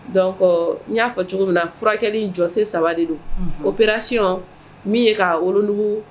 Don ni y'a fɔ cogo min na furakɛli jɔse saba de don o psiɔn min ye ka oludugu